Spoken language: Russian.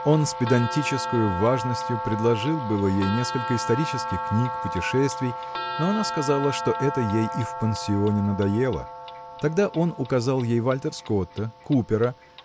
Он с педантическою важностью предложил было ей несколько исторических книг путешествий но она сказала что это ей и в пансионе надоело. Тогда он указал ей Вальтер Скотта Купера